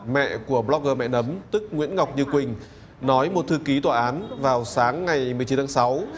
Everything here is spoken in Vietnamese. mẹ của bờ lóc gơ mẹ nấm tức nguyễn ngọc như quỳnh nói một thư ký tòa án vào sáng ngày mười chín tháng sáu